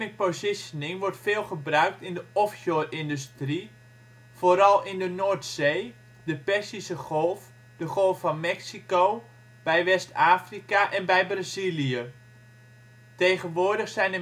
positioning wordt veel gebruikt in de offshore-industrie, vooral in de Noordzee, de Perzische Golf, de Golf van Mexico, bij West-Afrika en bij Brazilië. Tegenwoordig zijn